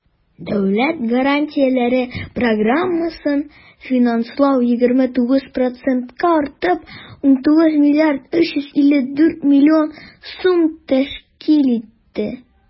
Дәүләт гарантияләре программасын финанслау 29 процентка артып, 19 млрд 354 млн сум тәшкил итте.